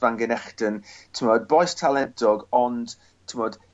Van Genechten t'mod bois talentog ond t'mod